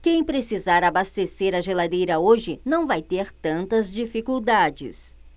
quem precisar abastecer a geladeira hoje não vai ter tantas dificuldades